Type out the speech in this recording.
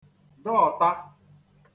dọọta